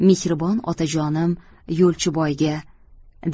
mehribon otajonim yo'lchiboyga